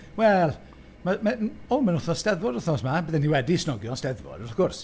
Wel, mae- mae... O mae'n wythnos Steddfod wythnos yma. Bydden ni wedi snogio yn Steddfod wrth gwrs.